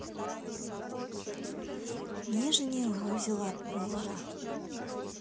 нижний узел отбора